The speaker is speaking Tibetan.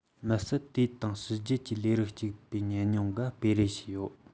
མི སྲིད དེ དང ཕྱི རྒྱལ གྱི ལས རིགས གཅིག པའི ཉམས མྱོང འགའ སྤེལ རེས བྱས ཡོད